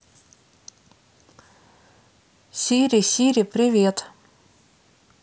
сири сири привет